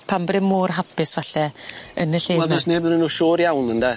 Pam bod e mor hapus falle yn y lle fyna? Wel do's neb onyn nw siŵr iawn ynde?